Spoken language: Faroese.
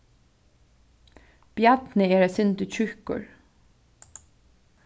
bjarni er eitt sindur tjúkkur